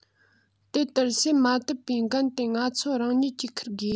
དེ ལྟར སེལ མ ཐུབ པའི འགན དེ ང ཚོ རང ཉིད ཀྱིས འཁུར དགོས